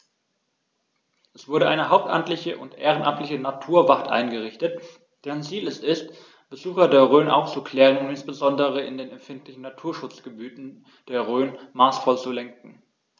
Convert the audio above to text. Es wurde eine hauptamtliche und ehrenamtliche Naturwacht eingerichtet, deren Ziel es ist, Besucher der Rhön aufzuklären und insbesondere in den empfindlichen Naturschutzgebieten der Rhön maßvoll zu lenken.